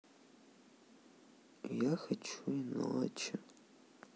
я хочу иначе